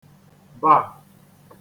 ba